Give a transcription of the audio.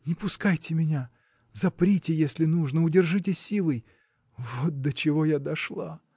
не пускайте меня — заприте, если нужно, удержите силой. Вот до чего я дошла!